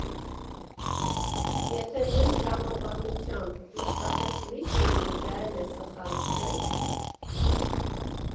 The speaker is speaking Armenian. Եթե նույն տրամաբանությամբ մշտապես լույս լինի, դա էլ է սխալ, չէ՞։